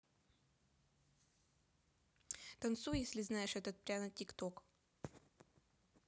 танцуй если знаешь этот пряно тик ток